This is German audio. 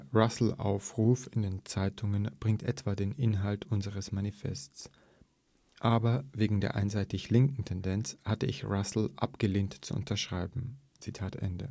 Russell-Aufruf in den Zeitungen bringt etwa den Inhalt unseres Manifestes. Aber wegen der einseitig linken Tendenz hatte ich Russell abgelehnt zu unterschreiben. “Im